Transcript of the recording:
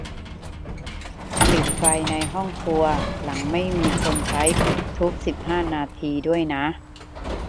ปิดไฟในห้องครัวหลังไม่มีคนใช้ทุกสิบห้าด้วยนะ